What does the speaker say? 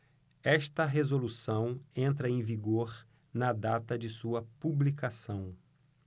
esta resolução entra em vigor na data de sua publicação